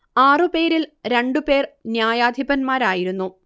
ആറു പേരിൽ രണ്ടുപേർ ന്യായാധിപന്മാരായിരുന്നു